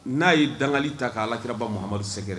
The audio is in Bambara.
N'a ye dangali ta ka alakiraba Mahamadu sɛgɛrɛ